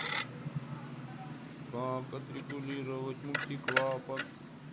как отрегулировать мультиклапан